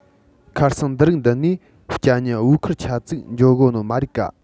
ཁ སང འདི རིགས འདི ནས སྐྱ མྱི བོའུ ཁུར ཆ ཚིག འགྱོ གོ ནི མ རིག ག